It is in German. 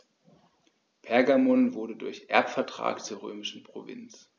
Pergamon wurde durch Erbvertrag zur römischen Provinz.